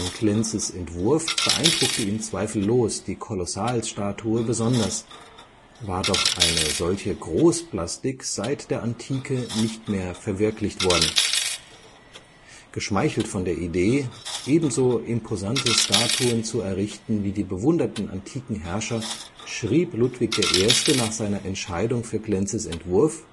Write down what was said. Klenzes Entwurf beeindruckte ihn zweifellos die Kolossalstatue besonders, war doch eine solche Großplastik seit der Antike nicht mehr verwirklicht worden. Geschmeichelt von der Idee, ebenso imposante Statuen zu errichten wie die bewunderten antiken Herrscher, schrieb Ludwig I. nach seiner Entscheidung für Klenzes Entwurf